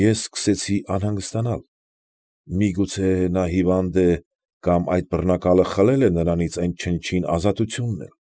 Ես սկսեցի անհանգստանալ։ Միգուցե նա հիվա՞նդ է կամ այդ բռնակալը խլել է նրանից այդ չնչին ազատությունն էլ։